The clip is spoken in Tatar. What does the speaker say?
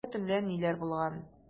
Кичә төнлә ниләр булган?